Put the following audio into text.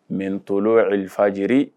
Mɛtɔ alifajri